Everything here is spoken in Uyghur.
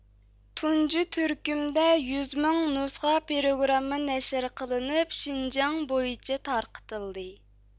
تۇنجى تۈركۈمدە يۈز مىڭ نۇسخا پروگرامما نەشر قىلىنىپ شىنجاڭ بويىچە تارقىتىلدى